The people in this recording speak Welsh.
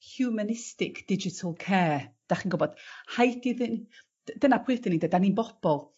humanistic digital care 'dach chi'n gwbod? Rhaid iddyn... D- dyna pwynt 'dyn ni dydan ni'n bobol.